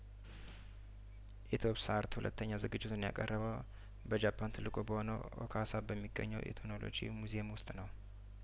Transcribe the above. ኢትዮ ፕስ አርት ሁለተኛ ዝግጅቱን ያቀረበው በጃፓን ትልቁ በሆነው ኦካሳ በሚገኘው ኤትኖሎጂ ሙዚየም ውስጥ ነው